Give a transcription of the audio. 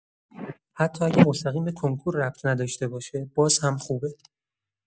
حتی اگه مستقیم به کنکور ربط نداشته باشه، باز هم خوبه.